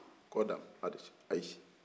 kɔdan adis ayise